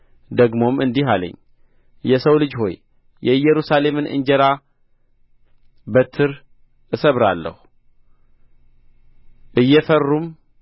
ደግሞም እንዲህ አለኝ የሰው ልጅ ሆይ የኢየሩሳሌምን እንጀራ በትር እሰብራለሁ እየፈሩም